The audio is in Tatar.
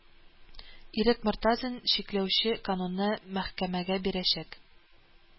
Ирек Мортазин чикләүче канунны мәхкәмәгә бирәчәк